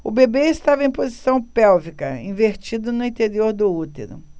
o bebê estava em posição pélvica invertida no interior do útero